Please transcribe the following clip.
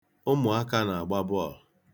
Ụmụaka na-agba bọọlụ.